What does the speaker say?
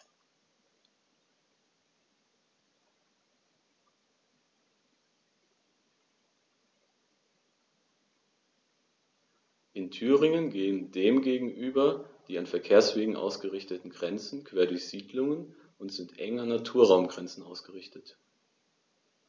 In Thüringen gehen dem gegenüber die an Verkehrswegen ausgerichteten Grenzen quer durch Siedlungen und sind eng an Naturraumgrenzen ausgerichtet.